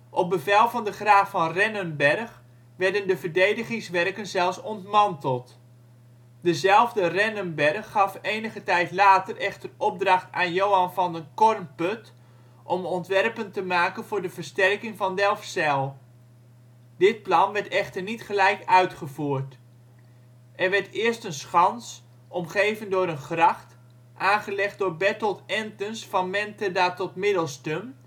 Op bevel van de graaf van Rennenberg werden de verdedigingswerken zelfs ontmanteld. Dezelfde Rennenberg gaf enige tijd later echter opdracht aan Johan van den Kornput om ontwerpen te maken voor de versterking van Delfzijl. Dit plan werd echter niet gelijk uitgevoerd. Er werd eerst een schans, omgeven door een gracht, aangelegd door Berthold Entens van Mentheda tot Middelstum